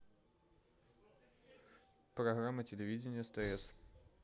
программа телевидения стс